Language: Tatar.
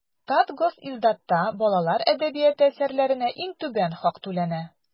Татгосиздатта балалар әдәбияты әсәрләренә иң түбән хак түләнә.